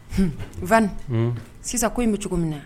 H v sisan ko in bɛ cogo min na